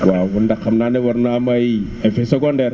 waaw ndax xam naa ne war naa am ay effets secondaires